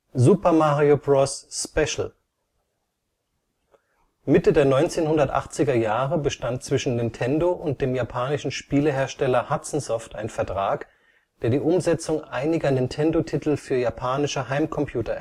Super Mario Bros. Special Mitte der 1980er Jahre bestand zwischen Nintendo und dem japanischen Spielehersteller Hudson Soft ein Vertrag, der die Umsetzung einiger Nintendo-Titel für japanische Heimcomputer